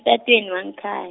-tatweni wangekhay-.